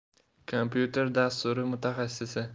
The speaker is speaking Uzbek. komyuter dasturi mutaxassisi